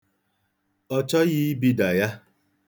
Ọ chọghị ibida ya.